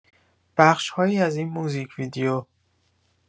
بخش‌هایی از این موزیک‌ویدیو